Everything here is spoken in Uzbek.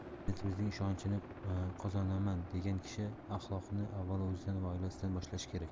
prezidentimizning ishonchini qozonaman degan kishi ahloqni avvalo o'zidan va oilasidan boshlashi kerak